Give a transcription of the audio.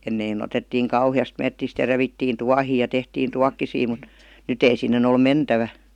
ennen otettiin kauheasti metsistä ja revittiin tuohia ja tehtiin tuokkosia mutta nyt ei sinne ole mentävä